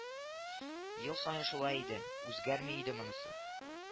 Ел саен шулай иде, үзгәрми иде монысы